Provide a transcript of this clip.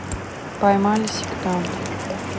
поймали сектантов